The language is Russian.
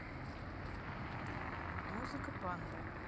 музыка панда